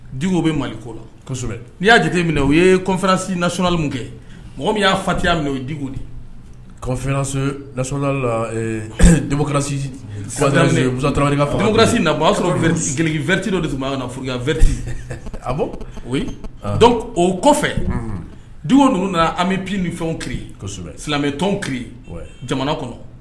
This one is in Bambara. Du bɛ mali ko la kosɛbɛ n'i y'a jate minɛ o yesi nasonali kɛ mɔgɔ min y'a fatiya minɛ o disola densikurasi na a o y'a sɔrɔ viliki vtir dɔ de tun b' na f vti a bɔ o kɔfɛ dugu ninnu nana an ni fɛnri kosɛbɛ silamɛmɛtɔnon filiri jamana kɔnɔ